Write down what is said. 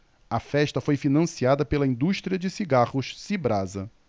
a festa foi financiada pela indústria de cigarros cibrasa